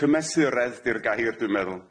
cymesuredd di'r gair dwi'n meddwl,